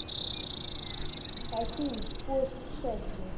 а фильм в поисках счастья